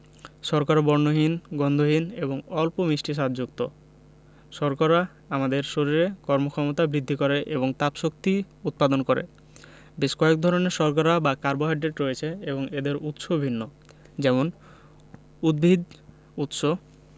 শর্করা বর্ণহীন গন্ধহীন এবং অল্প মিষ্টি স্বাদযুক্ত শর্করা আমাদের শরীরে কর্মক্ষমতা বৃদ্ধি করে এবং তাপশক্তি উৎপাদন করে বেশ কয়েক ধরনের শর্করা বা কার্বোহাইড্রেট রয়েছে এবং এদের উৎসও ভিন্ন যেমন উদ্ভিদ উৎস